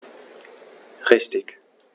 Richtig